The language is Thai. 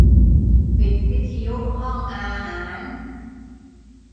ปิดวิทยุห้องอาหาร